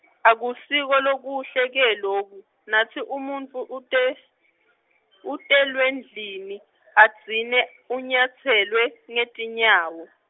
akusiko lokuhle ke loku , natsi umuntfu , utelwe ndlini, udzine unyatselwe ngetinyawo.